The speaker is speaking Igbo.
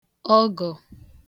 ọgọ̀